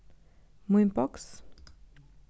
mínboks